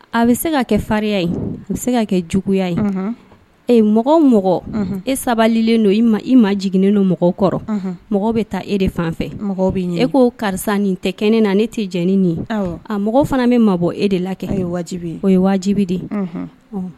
A bɛ se ka kɛ faririnya ye a bɛ se ka kɛ juguya ye mɔgɔ mɔgɔ e sabalilen don i ma jiginignen don mɔgɔw kɔrɔ mɔgɔ bɛ taa e de fan fɛ bɛ e ko karisa ni tɛ kɛ ne na ne tɛ jɛeni nin a mɔgɔ fana bɛ mabɔ bɔ e de la kɛ e ye wajibi ye o ye wajibi de ye